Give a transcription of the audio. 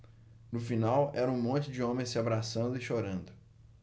no final era um monte de homens se abraçando e chorando